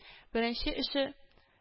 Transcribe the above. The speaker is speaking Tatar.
Беренче эше